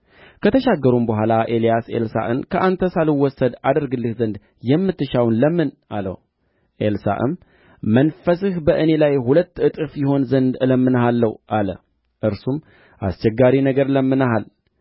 ከነቢያትም ልጆች አምሳ ሰዎች ሄዱ በፊታቸውም ርቀው ቆሙ እነዚህም ሁለቱ በዮርዳኖስ ዳር ቆመው ነበር ኤልያስም መጐናጸፊያውን ወስዶ ጠቀለለው ውኃውንም መታ ወዲህና ወዲያም ተከፈለ ሁለቱም በደረቅ ተሻገሩ